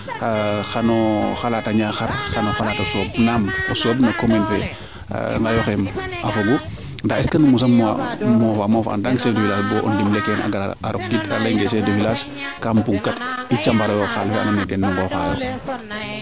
xano xalaat a Niakhar xano xalat o sooɓ nam o sooɓ no commune fee Ngayokhem a fogu nda est ce nu mosa moof moofa moof en tant que chef du village bo a ngara a rokid a ley nge chef du village kam bug u kati cambar oyo xalis fe ando naye ten nu ngooxa yo